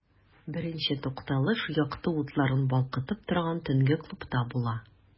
Беренче тукталыш якты утларын балкытып торган төнге клубта була.